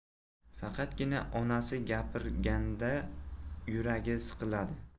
faqatgina onasi gapir ganda yuragi siqiladi